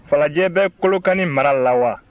falajɛ bɛ kɔlɔkani mara la wa